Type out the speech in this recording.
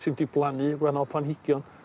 sy wedi blannu wanol planhigion